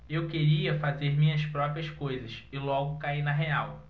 eu queria fazer minhas próprias coisas e logo caí na real